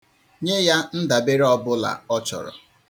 Nye ya ndabere ọ bụla ọ chọrọ.